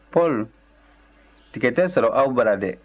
paul tiga tɛ sɔrɔ aw bara dɛ